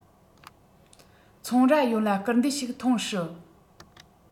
ཚོང རྭ ཡོངས ལ སྐུལ འདེད ཞིག ཐོན སྲིད